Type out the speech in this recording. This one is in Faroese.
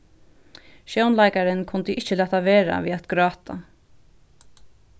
sjónleikarin kundi ikki lata vera við at gráta